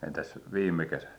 entäs viime kesä